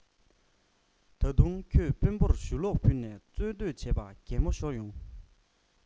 ད དུང ཁྱོད དཔོན པོར ཞུ ལོག ཕུལ ནས རྩོད འདོད བྱེད པ གད མོ ཤོར ཡོང